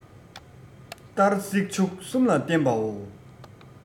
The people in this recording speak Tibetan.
གཏར སྲེག བྱུག གསུམ ལ བརྟེན པའོ